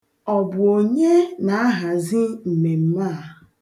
Ọ bụ onye na-ahazi mmemme a?